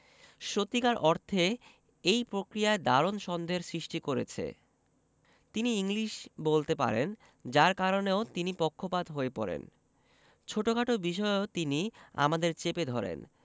সত্যিকার অর্থে এই প্রক্রিয়ায় দারুণ সন্দেহের সৃষ্টি করেছে তিনি ইংলিশ বলতে পারেন যার কারণেও তিনি পক্ষপাত হয়ে পড়েন ছোটখাট বিষয়েও তিনি আমাদের চেপে ধরেন